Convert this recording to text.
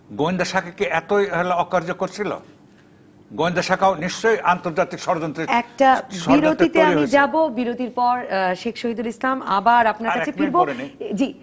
গোয়েন্দা শাখা কি এত অকার্যকর ছিল গোয়েন্দা শাখা নিশ্চয়ই আন্তর্জাতিক ষড়যন্ত্রের একটা বিরতিতে আমি যাব বিরতির পর শেখ শহিদুল ইসলাম আবার আপনার কাছে ফিরব জ্বি